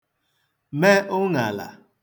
me ụṅàlà